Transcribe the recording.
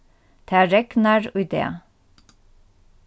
tað regnar í dag